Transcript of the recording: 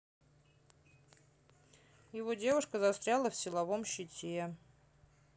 его девушка застряла в силовом щите